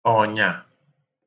ọ̀nyà